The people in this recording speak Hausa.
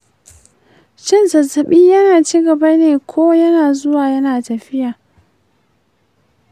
shin zazzabin yana ci gaba ne ko yana zuwa yana tafi?